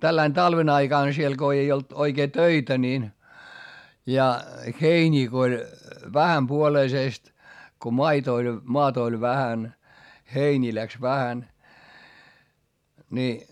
tällä lailla talven aikana siellä kun ei ollut oikein töitä niin ja heiniä kun oli vähänpuoleisesti kun maita oli maata oli vähän heiniä lähti vähän niin